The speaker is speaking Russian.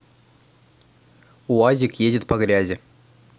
уазик едет по грязи